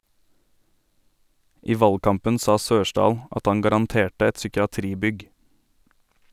I valgkampen sa Sørsdahl at han garanterte et psykiatribygg.